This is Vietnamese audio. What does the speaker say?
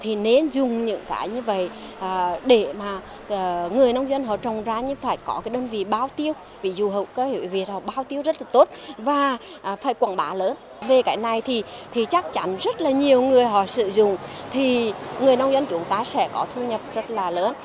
thì nên dùng những cái như vậy để mà người nông dân họ trồng ra như phải có cái đơn vị bao tiêu ví dụ hữu cơ hiệu việt họ bao tiêu rất tốt và phải quảng bá lớn về cái này thì thì chắc chắn rất là nhiều người họ sử dụng thì người nông dân chúng ta sẽ có thu nhập rất là lớn